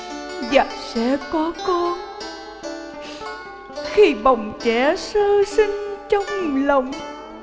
và sẽ có con khi bồng trẻ sơ sinh trong lòng